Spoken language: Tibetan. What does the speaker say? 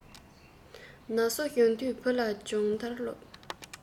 ན སོ གཞོན དུས བུ ལ སྦྱོང ཐར སློབས